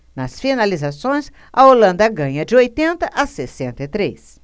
nas finalizações a holanda ganha de oitenta a sessenta e três